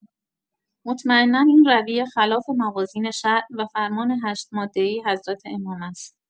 مطمئنا این رویه خلاف موازین شرع و فرمان هشت‌ماده‌ای حضرت امام است.